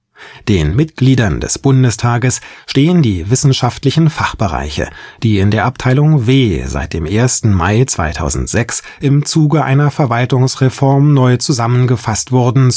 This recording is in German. Den Mitgliedern des Bundestages stehen die wissenschaftlichen Fachbereiche, die in der Abteilung W seit dem 1. Mai 2006 im Zuge einer Verwaltungsreform neu zusammengefasst wurden